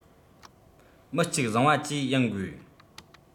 མི གཅིག བཟང བ བཅས ཡིན དགོས